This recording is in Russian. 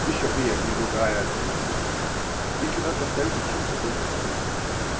Еще приятнее другая альтернатива: если нас заставят учиться только по-русски.